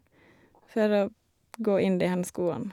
For å gå inn de her skoene.